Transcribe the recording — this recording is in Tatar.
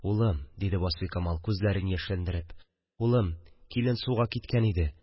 – улым, – диде васфикамал күзләрен яшьләндереп, – улым, килен суга киткән иде